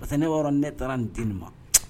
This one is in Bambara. Masa ne yɔrɔ ne taara nin den nin ma